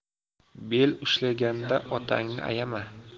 bel ushlashganda otangni ayama